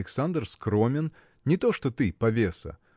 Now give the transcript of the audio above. Александр скромен – не то, что ты, повеса.